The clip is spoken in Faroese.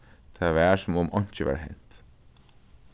tað var sum um einki var hent